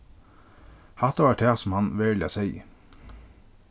hatta var tað sum hann veruliga segði